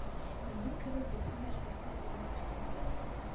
Минем кебек бөтен нәрсәсе урын өстендә